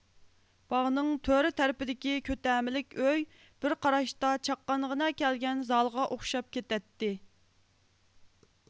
باغنىڭ تۆر تەرىپىدىكى كۆتەملىك ئۆي بىر قاراشتا چاققانغىنا كەلگەن زالغا ئوخشاپ كېتەتتى